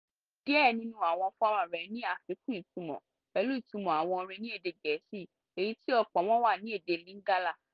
Díẹ̀ nínú àwọn fọ́nràn rẹ̀ ní àfikún ìtumọ̀ pẹ̀lú ìtumọ̀ àwọn orin ní èdè Gẹ̀ẹ́sì èyí tí ọ̀pọ̀ wọn wà ní èdè Lingala.